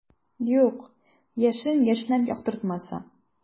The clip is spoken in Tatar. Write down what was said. Юк, яшен яшьнәп яктыртмаса.